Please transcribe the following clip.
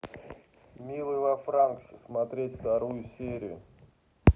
милый во франксе смотреть вторую серию